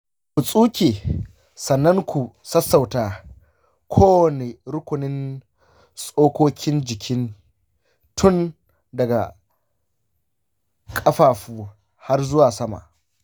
ku tsuke sannan ku sassauta kowane rukunin tsokokin jiki tun daga ƙafafu har zuwa sama.